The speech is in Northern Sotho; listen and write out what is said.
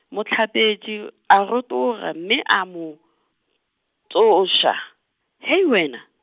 Mohlapetši, a rotoga mme o a mo, tsoša, Hei wena.